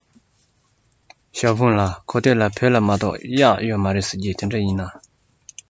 ཞའོ ཧྥུང ལགས གོ ཐོས ལ བོད ལྗོངས མ གཏོགས གཡག ཡོད མ རེད ཟེར གྱིས དེ འདྲ ཡིན ན